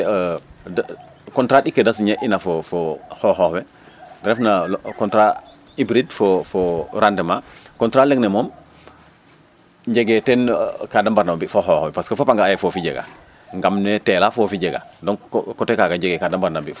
contrat ɗik ke da signer ina fo kene xooxoox we ref na no contrat ibrid fo fo rendement contrat leng ne mom njegee teen ka da mbarna mbi' fo xooxoox we parce que fop a nga'a yee foofi le a jega ngam ne teela foofi jega donc coté kaaga jegee ka da mbarna o mbi'